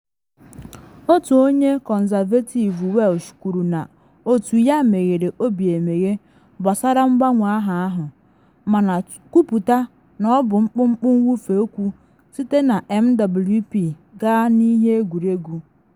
Otu onye Kọnzavetiv Welsh kwuru na otu ya “meghere obi emeghe” gbasara mgbanwe aha ahụ, mana kwupụta na ọ bụ mkpumkpu nwụfe okwu site na MWP gaa na Ihe Egwuregwu.